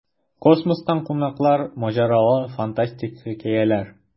Космостан кунаклар: маҗаралы, фантастик хикәяләр.